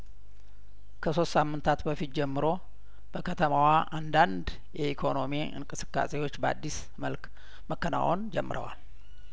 ከሶስት ሳምንታት በፊት ጀምሮ በከተማዋ አንዳንድ የኢኮኖሚ እንቅስቃሴዎች በአዲስ መልክ መከናወን ጀምረዋል